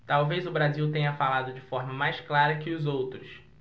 talvez o brasil tenha falado de forma mais clara que os outros